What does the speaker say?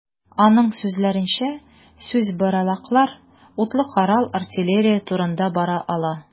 Аның сүзләренчә, сүз боралаклар, утлы корал, артиллерия турында бара ала.